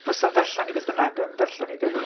fysa'n darllan hi beth bynnag, yn darllen hi, de?